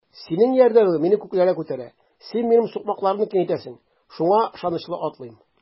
Синең ярдәмең мине күкләргә күтәрә, син минем сукмакларымны киңәйтәсең, шуңа ышанычлы атлыйм.